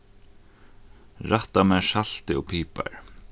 rætta mær saltið og piparið